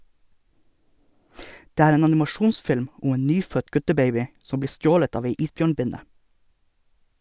Det er en animasjonsfilm om en nyfødt guttebaby som blir stjålet av ei isbjørnbinne.